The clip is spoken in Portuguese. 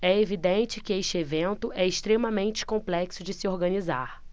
é evidente que este evento é extremamente complexo de se organizar